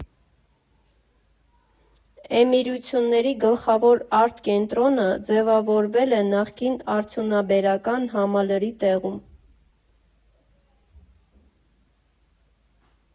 Էմիրությունների գլխավոր արտ֊կենտրոնը ձևավորվել է նախկին արդյունաբերական համալրի տեղում։